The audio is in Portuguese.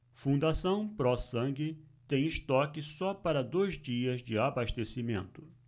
fundação pró sangue tem estoque só para dois dias de abastecimento